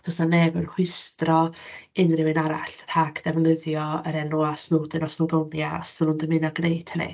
Does 'na neb yn rhwystro unrhyw un arall rhag ddefnyddio yr enwau Snowdon a Snowdonia, os ydyn nhw'n dymuno gwneud hynny.